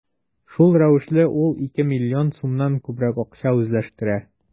Шул рәвешле ул ике миллион сумнан күбрәк акча үзләштерә.